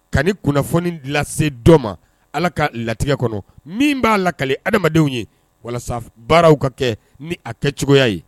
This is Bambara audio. Ka kunnafoni la dɔ ma ala ka latigɛ kɔnɔ min b'a lakale adamadenw ye walasa baaraw ka kɛ ni a kɛ cogoya ye